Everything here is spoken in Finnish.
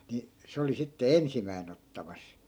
niin se oli sitten ensimmäisenä ottamassa